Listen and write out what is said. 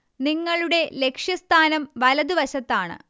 നിങ്ങളുടെ ലക്ഷ്യസ്ഥാനം വലതുവശത്താണ്